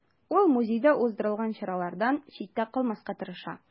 Ул музейда уздырылган чаралардан читтә калмаска тырыша.